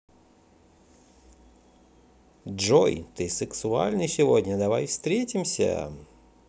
джой ты сексуальный сегодня давай встретимся